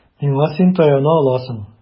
Миңа син таяна аласың.